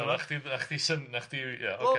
...O na chdi na chdi syn- na chdi ia ocê...